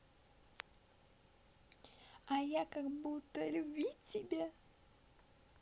а я как будто любить тебя